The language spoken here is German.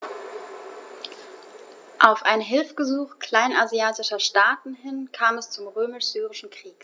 Auf ein Hilfegesuch kleinasiatischer Staaten hin kam es zum Römisch-Syrischen Krieg.